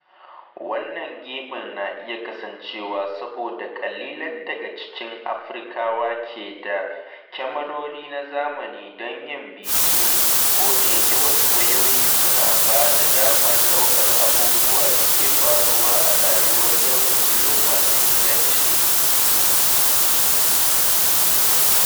Wannan gibin na iya kasancewa saboda ƙalilan daga cikin Afirkawa ke da kyamarori na zamani don yin bidiyo, ko da yake wasu wayoyi suna ba da damar ɗaukar abubuwan da ke faruwa a rayuwar yau da kullum masu inganci.